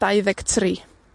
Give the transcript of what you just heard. dau ddeg tri.